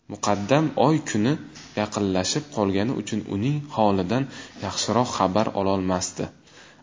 muqaddam oy kuni yaqinlashib qolgani uchun uning holidan yaxshiroq xabar ololmasdi